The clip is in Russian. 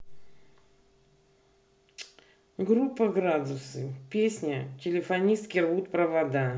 группа градусы песня телефонистки рвут провода